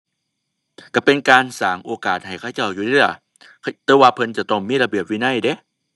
ก็เป็นการสร้างโอกาสให้เขาเจ้าอยู่เดะล่ะ แต่ว่าเพิ่นจะต้องมีระเบียบวินัยเดะ